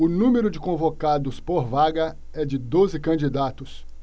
o número de convocados por vaga é de doze candidatos